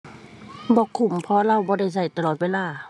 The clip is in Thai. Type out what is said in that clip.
บ่คุ้ม เพราะเราบ่ได้ใช้ตลอดเวลา